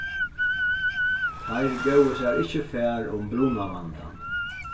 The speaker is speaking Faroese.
teir góvu sær ikki far um brunavandan